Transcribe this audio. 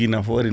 nafoore